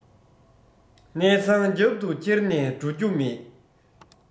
གནས ཚང རྒྱབ ཏུ འཁྱེར ནས འགྲོ རྒྱུ མེད